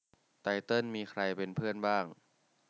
ไตเติ้ลมีใครเป็นเพื่อนบ้าง